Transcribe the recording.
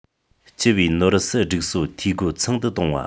སྤྱི པའི ནོར སྲིད སྒྲིག སྲོལ འཐུས སྒོ ཚང དུ གཏོང བ